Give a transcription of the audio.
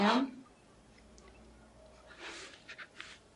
Iawn?